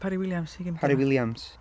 Parry-Williams ia... Parry-Williams. ...